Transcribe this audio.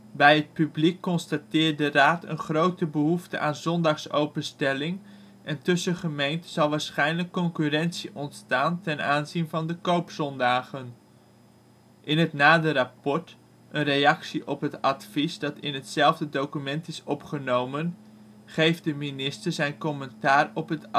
Bij het publiek constateert de Raad een grote behoefte aan zondagsopenstelling en tussen gemeenten zal waarschijnlijk concurrentie ontstaan ten aanzien van de koopzondagen. In het nader rapport, een reactie op het Advies dat in hetzelfde document is opgenomen, geeft de minister zijn commentaar op het advies